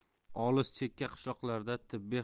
olis chekka qishloqlarda tibbiy